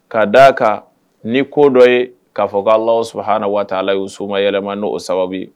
K'a d a kan ni ko dɔ ye k'a fɔ k o allah subahaanahu wa taalaa y'u somayɛlɛma n'o sababu ye